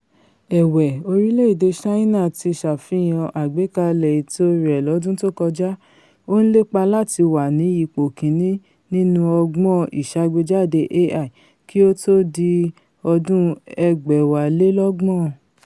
Ẹ̀wẹ̀, orílẹ̀-èdè Ṣáìnà ti ṣàfihàn àgbékalẹ̀ ètò rẹ̀ lọ́dún tó kọjá: ó ńlépa láti wàní ipò ìkínní nínú ọgbọ́n ìṣàgbéjáde AI kí ó tó di ọdún 2030.